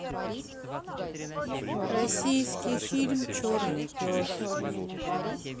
российский фильм черный пес